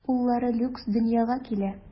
Уллары Люкс дөньяга килә.